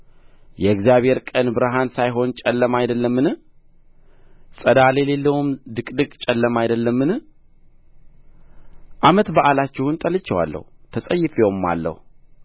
የእግዚአብሔር ቀን ብርሃን ሳይሆን ጨለማ አይደለምን ፀዳል የሌለውም ድቅድቅ ጨለማ አይደለምን ዓመት በዓላችሁን ጠልቼዋለሁ ተጸይፌውማለሁ